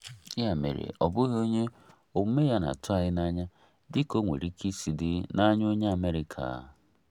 Ya mere, ọ bụghị onye omume ya na-atụ anyị n'anya dịka o nwere ike isi dị n'anya onye America.